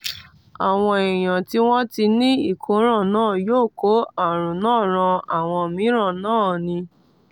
Àwọn èèyàn tí wọ́n ti ní ìkóràn náà yóò kó àrùn náà ran àwọn mìíràn náà ni.